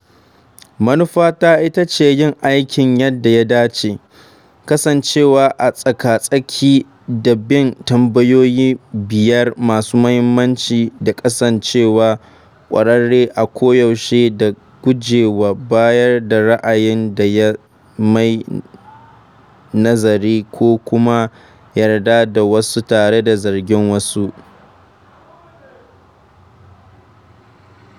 Manufata ita ce yin aikin yadda ya dace: kasancewa a tsaka-tsaki da bin tambayoyi biyar masu muhimmanci da kasancewa ƙwararre a koyaushe da guje wa bayar da ra'ayi ɗaya mai nazari ko kuma yarda da wasu tare da zargin wasu.